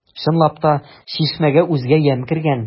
Чынлап та, чишмәгә үзгә ямь кергән.